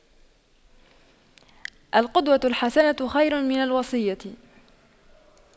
القدوة الحسنة خير من الوصية